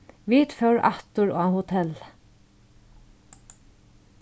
vit fóru aftur á hotellið